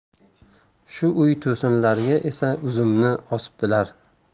shu uy to'sinlariga esa uzumni osibdilar